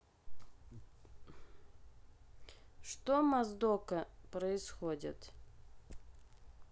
что моздока происходит